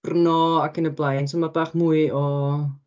Brno ac yn y blaen, so ma' bach mwy o...